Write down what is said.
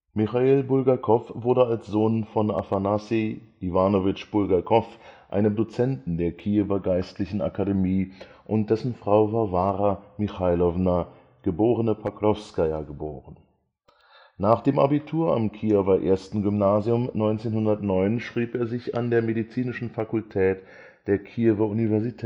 Michail Bulgakow wurde als Sohn von Afanasij Iwanowitsch Bulgakow, einem Dozenten der Kiewer Geistlichen Akademie, und dessen Frau Warwara Michajlowna (geborene Pokrowskaja) geboren. Nach dem Abitur am Kiewer Ersten Gymnasium 1909 schrieb er sich an der Medizinischen Fakultät der Kiewer Universität